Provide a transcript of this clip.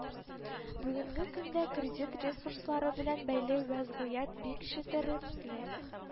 Бүгенге көндә кредит ресурслары белән бәйле вәзгыять бик четерекле